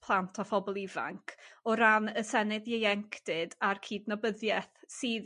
plant a phobol ifanc o ran y senedd ieuenctid a'r cydnabyddiaeth sydd